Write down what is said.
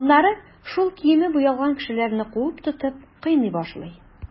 Аннары шул киеме буялган кешеләрне куып тотып, кыйный башлый.